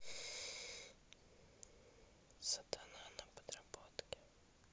сатана на подработке